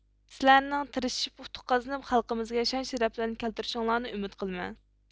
سىلەرنىڭ تىرىشىپ ئۇتۇق قازىنىپ خەلقىمىزگە شان شەرەپلەرنى كەلتۈرۈشۈڭلارنى ئۈمىد قىلىمەن